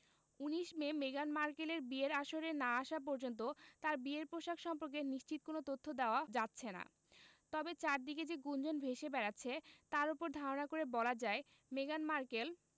১৯ May মেগান মার্কেলের বিয়ের আসরে না আসা পর্যন্ত তাঁর বিয়ের পোশাক সম্পর্কে নিশ্চিত কোনো তথ্য দেওয়া যাচ্ছে না তবে চারদিকে যে গুঞ্জন ভেসে বেড়াচ্ছে তার ওপর ধারণা করে বলা যায় মেগান মার্কেল